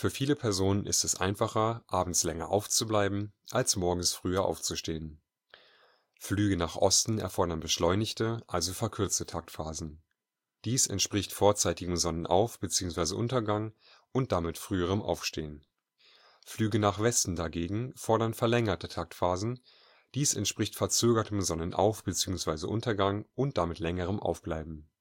viele Personen ist es einfacher, abends länger aufzubleiben als morgens früher aufzustehen. Flüge nach Osten fordern beschleunigte, also verkürzte Taktphasen (entspricht vorzeitigem Sonnenauf - bzw. - untergang und damit früherem Aufstehen), Flüge nach Westen dagegen verlängerte Taktphasen (entspricht verzögertem Sonnenauf - bzw. - untergang und damit längerem Aufbleiben